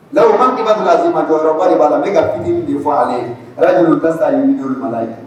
lahu mankibatun aziimatun jɔyɔrɔba de b'a la, m bɛ k'a ficiini de fɔ ale ye a la